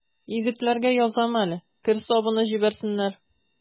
Егетләргә язам әле: кер сабыны җибәрсеннәр.